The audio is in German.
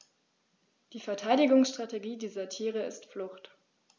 Die Verteidigungsstrategie dieser Tiere ist Flucht.